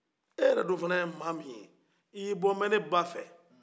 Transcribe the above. e yɛrɛ dun fana ye maa min ye i bɔ mɛ ne ba fɛ